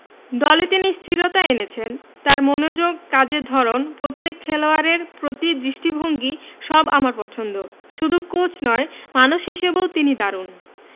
দলে তিনি স্থিরতা এনেছেন তাঁর মনোযোগ কাজের ধরন প্রত্যেক খেলোয়াড়ের প্রতি দৃষ্টিভঙ্গি সব আমার পছন্দ শুধু কোচ নয় মানুষ হিসেবেও তিনি দারুণ